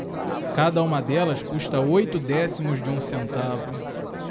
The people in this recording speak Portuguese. cada uma delas custa oito décimos de um centavo